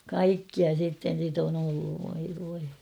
kaikkia sitten sitä on ollut voi voi